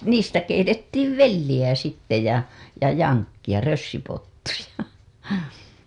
niistä keitettiin velliä sitten ja ja jankkia rössypottuja